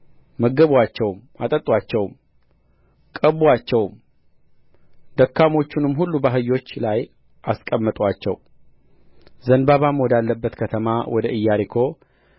መገቡአቸውም አጠጡአቸውም ቀቡአቸውም ደካሞቹንም ሁሉ በአህዮች ላይ አስቀመጡአቸው ዘንባባም ወዳለበት ከተማ ወደ ኢያሪኮ